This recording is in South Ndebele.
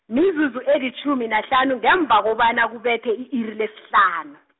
mizuzu elitjhumi nahlanu ngemva kobana kubethe i-iri lesihlanu.